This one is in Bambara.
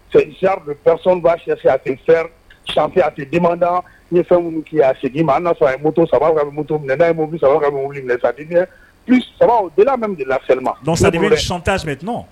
Fɛnya fɛn sanya dimanda fɛn minnu k'ya sigi ma na yetu saba n'a saba sababu la fɛn ma